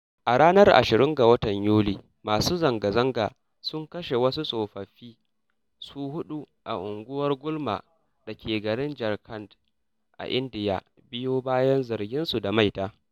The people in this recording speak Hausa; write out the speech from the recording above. A ranar 20 ga watan Yuli, masu zanga-zanga sun kashe wasu tsofaffi su huɗu a unguwar Gumla da ke garin Jharkhand a Indiya biyo bayan zarginsu da maita.